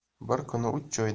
bir kuni uch